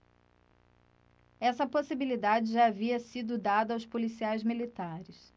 essa possibilidade já havia sido dada aos policiais militares